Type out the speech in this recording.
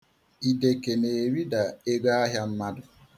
Ideke na-erida ego ahịa mmadu.